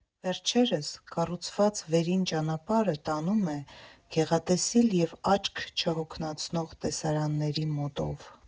Վերջերս կառուցված վերին ճանապարհը տանում է գեղատեսիլ և աչք չհոգնեցնող տեսարանների մոտով։